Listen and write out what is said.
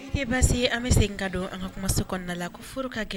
Nin te basi ye ,an be segin ka don an ka kuma so.kɔnɔna la ko furu ka gɛ